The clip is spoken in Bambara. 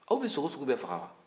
aw bɛ sogo sugu bɛɛ faga wa